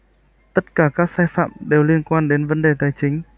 tất cả các sai phạm đều liên quan đến vấn đề tài chính